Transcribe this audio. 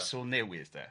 a sŵn newydd 'de.